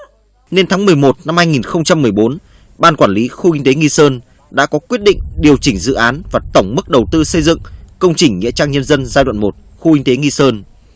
đến tháng mười một năm hai nghìn không trăm mười bốn ban quản lý khu kinh tế nghi sơn đã có quyết định điều chỉnh dự án và tổng mức đầu tư xây dựng công trình nghĩa trang nhân dân giai đoạn một khu kinh tế nghi sơn